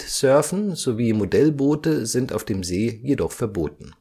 Kite-Surfen sowie Modellboote sind auf dem See jedoch verboten